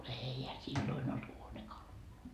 eihän silloin ollut huonekaluja